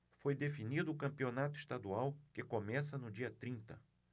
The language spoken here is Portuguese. foi definido o campeonato estadual que começa no dia trinta